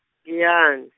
Giyane.